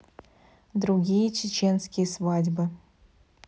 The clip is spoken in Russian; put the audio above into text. другие чеченские свадьбы